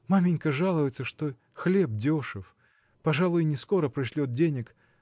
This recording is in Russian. – Маменька жалуется, что хлеб дешев: пожалуй, не скоро пришлет денег